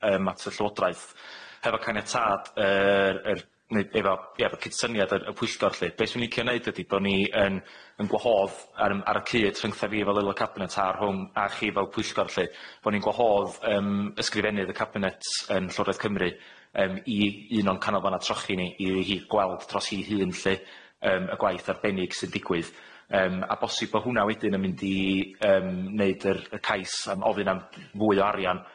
yym at y llywodraeth hefo caniatâd yr yr neu efo ia efo cydsyniad yr y pwyllgor lly be' swn i'n licio neud ydi bo ni yn yn gwahodd ar yym ar y cyd rhyngtha fi efo eulod cabinet a rhwng a chi fel pwyllgor lly bo ni'n gwahodd yym ysgrifennydd y cabinet yn Llywodraeth Cymru yym i un o'n canolfanna trochi ni i hi gweld dros hi hun lly yym y gwaith arbennig sy'n digwydd yym a bosib bo' hwnna wedyn yn mynd i yym neud yr y cais am ofyn am fwy o arian